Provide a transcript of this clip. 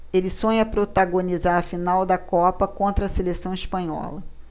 ele sonha protagonizar a final da copa contra a seleção espanhola